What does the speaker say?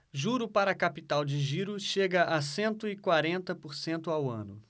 juro para capital de giro chega a cento e quarenta por cento ao ano